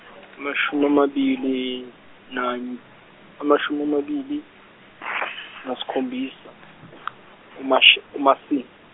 amashumi amabili nany- amashumi amabili nesikhombisa umash- uMasing-.